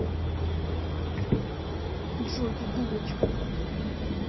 джой ты дурочка